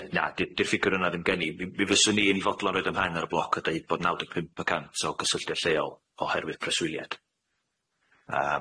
Ie na 'di di'r ffigwr yna ddim gen i. Mi mi fyswn i'n fodlon roid ym mhen ar y bloc a deud bod naw deg pump y cant o gysylltiad lleol oherwydd preswyliad.